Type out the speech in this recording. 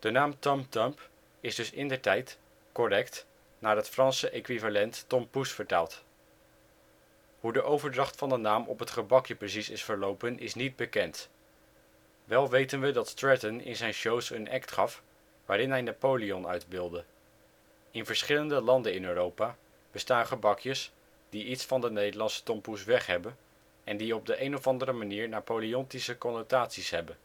naam Tom Thumb is dus indertijd - correct - naar het Franse equivalent Tom Pouce vertaald. Hoe de overdracht van de naam op het gebakje precies is verlopen is niet bekend. Wel weten we dat Stratton in zijn shows een act gaf waarin hij Napoleon uitbeeldde. In verschillende landen in Europa bestaan gebakjes die iets van de Nederlandse tompoes weg hebben, en die op de een of andere manier napoleontische connotaties hebben